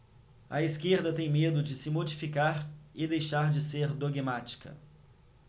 a esquerda tem medo de se modificar e deixar de ser dogmática